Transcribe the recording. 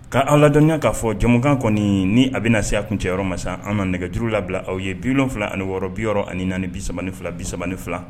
K'an ladɔniya k'a fɔ jamakan kɔni ni a bɛ na se a kun cɛyɔrɔ ma sa, an ka nɛgɛjuru labila aw ye74643232